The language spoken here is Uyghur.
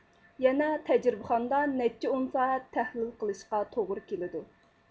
يەنە تەجرىبىخانىدا نەچچە ئون سائەت تەھلىل قىلىشقا توغرا كېتىدۇ